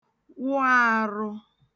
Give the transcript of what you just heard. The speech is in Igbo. wụ àrụ